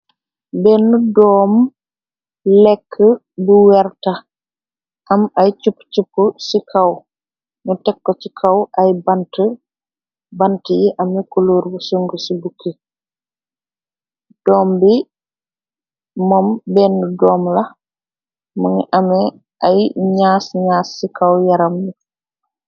Benne doom lekke bu werta am ay chup-chup ci kaw nu tekko ci kaw ay bbant yi ame kuluur bu sung ci bukki doom bi moom benn doom la mungi ame ay nyaas nyaas ci kaw yaram mi.